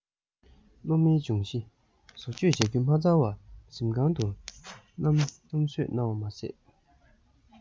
སློབ མའི སྦྱོང གཞི བཟོ བཅོས བཟོ བཅོས བྱ རྒྱུ མ ཚར བ གཟིམ ཁང དུ བསྣམས བཟོས གནང བ མ ཟད